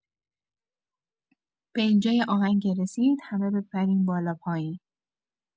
به اینجای آهنگ که رسید همه بپرین بالا پایین